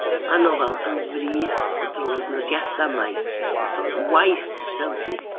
Ma'r nofel yn frith o droednodiadau maith, yn sôn am waith de Selby.